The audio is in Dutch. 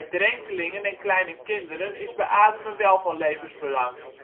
drenkelingen en kleine kinderen is beademen wel van levensbelang